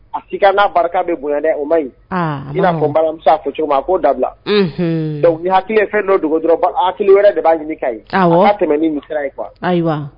A si ka n'a barika bɛ bonyaɛ o ma ɲi jinɛbala to cogoma ma ko dabila ni hakiliki ye fɛn don duguba ha hakiliki wɛrɛ de b'a ɲini ka ye tɛmɛ ni misisira ye kuwa ayiwa